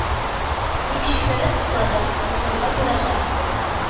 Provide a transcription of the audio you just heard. Мин кечкенәдән уйландым, укырга ярата идем